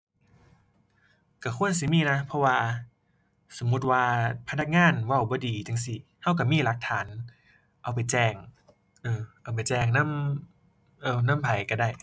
ก็ควรสิมีนะ เพราะว่าสมมุติว่าพนักงานเว้าบ่ดีจั่งซี้ ก็ก็มีหลักฐานเอาไปแจ้ง เอ้อ เอาไปแจ้งนำ เอ้อ นำไผก็ได้